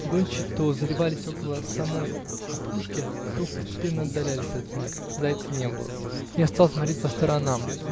Гончие то заливались около самой опушки, то постепенно отдалялись от меня зайца не было. Я стал смотреть по сторонам.